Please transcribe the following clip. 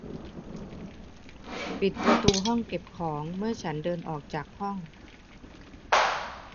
ปิดประตูห้องเก็บของเมื่อฉันเดินออกจากห้อง